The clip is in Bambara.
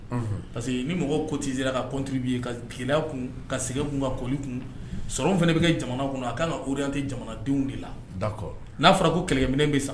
Parce que ni mɔgɔ ko t'i sera katigibi ka gɛlɛya kun ka sɛgɛ kun ka kɔli kun sɔrɔ fana bɛ kɛ jamana kun a ka kan ka otɛ jamanadenw de la n'a fɔra ko kɛlɛminɛ bɛ sa